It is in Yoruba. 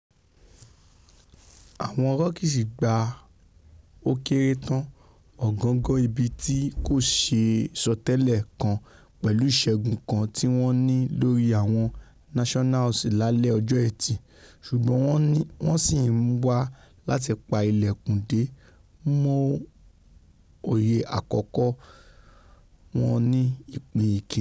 Àwọn Rockies gba ó kéré tán ọ̀gangan-ibi tí kòṣeé sọtẹ́lẹ̀ kan pẹ̀lú ìṣẹ́gun kan tíwọ́n ní lórí Àwọn Nationals lálẹ̵́ ọjọ́ Ẹtì, ṣùgbọ́n wọ́n sí ńwá láti pa ìlẹ̀kùn dé mọ oyè àkọ́kọ́ wọn ní ìpín ìkínní.